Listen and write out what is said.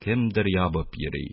Кемдер ябып йөри.